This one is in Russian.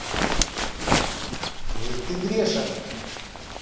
ведь ты грешен